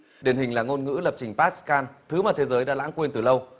điển hình là ngôn ngữ lập trình pát can thứ mà thế giới đã lãng quên từ lâu